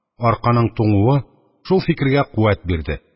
Арканың туңуы шул фикергә куәт бирде.